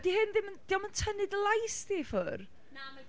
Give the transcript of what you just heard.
Ydy hyn ddim yn... 'di o’m yn tynnu dy lais di i ffwrdd? ...Na, mae jyst...